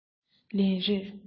ལན རེར